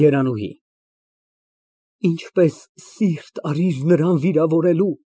ԵՐԱՆՈՒՀԻ ֊ Ինչպես սիրտ արաիր նրան վիրավորելու։